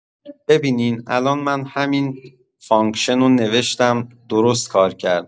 ببینین الان من همین فانکشن رو نوشتم درست‌کار کرد.